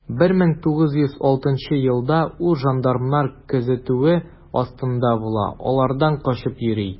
1906 елда ул жандармнар күзәтүе астында була, алардан качып йөри.